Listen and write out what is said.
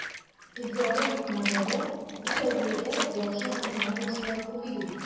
Идеологик мәгънәдә бу тәрбиядә яхшы һәм уңай нәрсәләр күп иде бит.